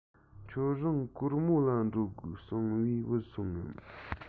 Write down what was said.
ཁྱོད རང གོར མོ ལ འགྲོ དགོས གསུངས པས བུད སོང ངམ